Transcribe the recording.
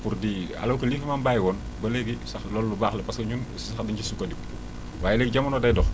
pour di alors que li fi maam bàyyiwoon ba léegi sax loolu lu baax la parce que ñun aussi sax dañu siy sukkandiku waaye léegi jamono day dox